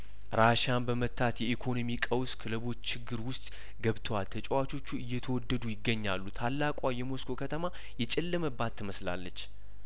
ራሽያን በመታት የኢኮኖሚ ቀውስ ክለቦች ችግር ውስጥ ገብተዋል ተጫዋቾቹ እየተወደዱ ይገኛሉ ታላቋ የሞስኮ ከተማ የጨለመባትት መስላለች